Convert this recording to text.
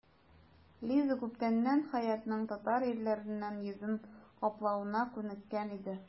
Лиза күптәннән Хәятның татар ирләреннән йөзен каплавына күнеккән иде.